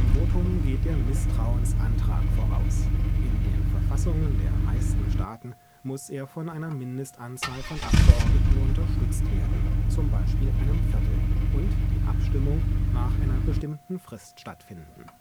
Votum geht der Misstrauensantrag voraus. In den Verfassungen der meisten Staaten muss er von einer Mindestanzahl von Abgeordneten unterstützt werden (z. B. einem Viertel) und die Abstimmung nach einer bestimmten Frist stattfinden